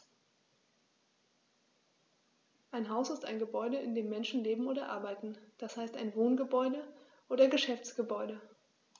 Ein Haus ist ein Gebäude, in dem Menschen leben oder arbeiten, d. h. ein Wohngebäude oder Geschäftsgebäude.